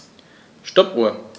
Stoppuhr.